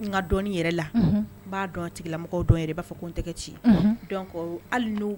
N b'a dɔn tigila i b'a fɔ n tɛ ci hali